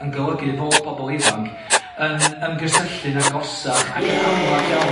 yn golygu fod pobol ifanc yn ymgysyllu'n agosach ac yn amlach iawn